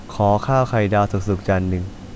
ขอข้าวไข่ดาวสุกๆจานนึง